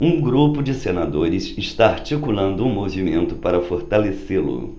um grupo de senadores está articulando um movimento para fortalecê-lo